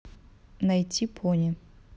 найти пони